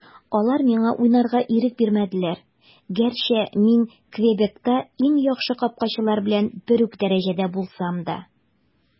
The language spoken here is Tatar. Алар миңа уйнарга ирек бирмәделәр, гәрчә мин Квебекта иң яхшы капкачылар белән бер үк дәрәҗәдә булсам да.